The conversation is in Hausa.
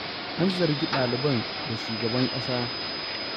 An zargi ɗaliban da "shugaban ƙasa."